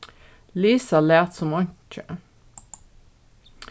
lisa læt sum einki